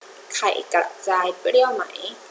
ไข่กระจายเปรี้ยวไหม